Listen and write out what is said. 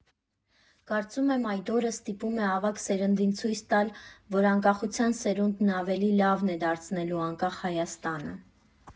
Կարծում եմ՝ այդ օրը ստիպում է ավագ սերնդին ցույց տալ, որ անկախության սերունդն ավելի լավն է դարձնելու Անկախ Հայաստանը։